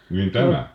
niin tämä